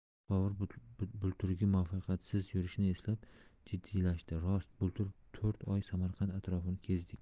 bobur bulturgi muvaffaqiyatsiz yurishini eslab jiddiylashdi rost bultur to'rt oy samarqand atrofini kezdik